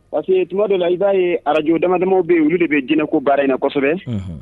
Parce que tuma dɔ la i b'a ye arajo damaja bɛ olu de bɛ jinɛko baara in na kosɛbɛ